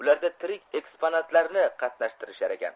ularda tirik eksponatlarni qatnashtirisharkan